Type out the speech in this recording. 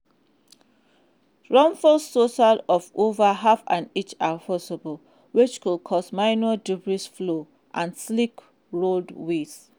Rainfall totals of over half an inch are possible, which could cause minor debris flows and slick roadways.